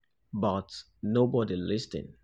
But nobody listened.